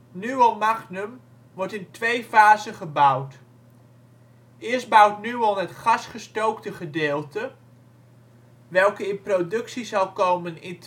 Nuon Magnum wordt in twee fasen gebouwd. Eerst bouwt Nuon het gasgestookte gedeelte, welke in productie zal komen in